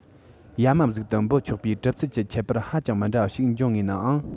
ཡ མ གཟུགས དུ འབོད ཆོག པའི གྲུབ ཚུལ གྱི ཁྱད པར ཧ ཅང མི འདྲ བ ཞིག འབྱུང ངེས ནའང